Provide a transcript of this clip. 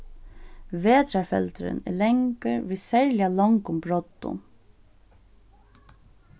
vetrarfeldurin er langur við serliga longum broddum